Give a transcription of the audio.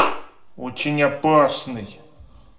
очень опасный